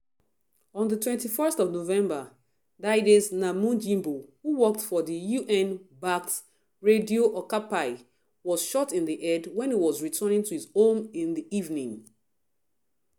On the 21st of November Didace Namujimbo, who worked for the UN-backed Radio Okapi, was shot in the head when he was returning to his home in the evening.